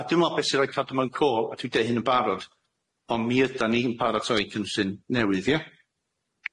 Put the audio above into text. A dwi me'wl be' sy roi cadw mewn cô a dwi deu hyn yn barod on' mi ydan ni'n paratoi cynllun newydd ie?